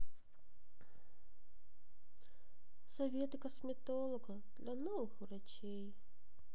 советы косметолога для новых врачей